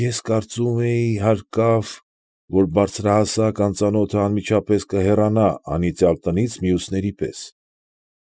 Ես կարծում էի, հարկավ, որ բարձրահասակ անծանոթը անմիջապես կհեռանա անիծյալ տնից մյուսների պես։